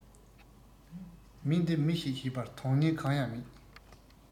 མི འདི མི ཞིག བྱེད པར དོན རྙིང གང ཡང མེད